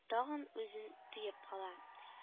Тагын үзен тыеп кала